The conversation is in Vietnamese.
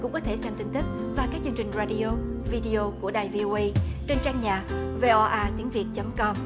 cũng có thể xem tin tức và các chương trình ra đi ô vi đê ô của đài vi ô ây trên trang nhà vê o a tiếng việt chấm com